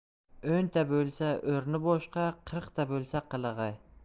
o'nta bo'lsa o'rni boshqa qirqta bo'lsa qilig'i